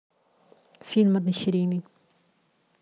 фильм односерийный